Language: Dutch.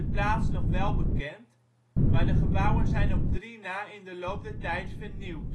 plaats nog wel bekend maar de gebouwen zijn op drie na in de loop der tijd vernieuwd